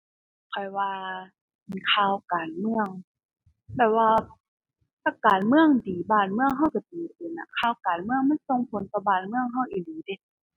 ข้อยว่า ข่าวการเมือง แบบว่าถ้าการเมืองดีบ้านเมืองเราเราดีขึ้นอะ ข่าวการเมืองมันส่งผลต่อบ้านเมืองเราอีหลีเดะ